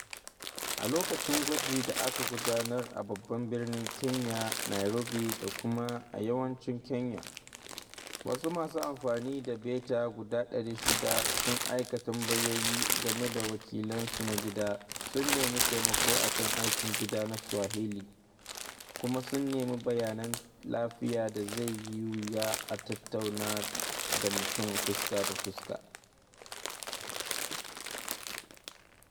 A lokacin gwaji da aka gudanar a babban birnin Kenya, Nairobi, da kuma a yammacin Kenya, wasu masu amfani da beta guda 600 sun aika tambayoyi game da wakilan su na gida, sun nemi taimako kan aikin gida na Swahili, kuma sun nemi bayanan lafiya da zai yi wuya a tattauna da mutum fuska da fuska.